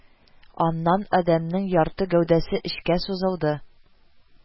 Аннан адәмнең ярты гәүдәсе эчкә сузылды